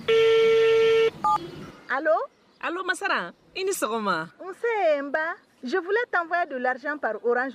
Ee ma i ni sɔgɔma n ba jef tɛpye don la paranz